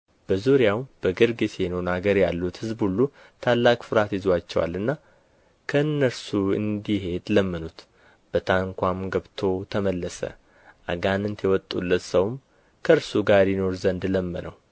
በዙሪያውም በጌርጌሴኖን አገር ያሉት ሕዝብ ሁሉ ታላቅ ፍርሃት ይዞአቸዋልና ከእነርሱ እንዲሄድ ለመኑት በታንኳም ገብቶ ተመለሰ አጋንንት የወጡለት ሰውም ከእርሱ ጋር ይኖር ዘንድ ለመነው